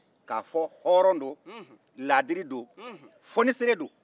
k'a fɔ hɔrɔn don laadiri don foniseere don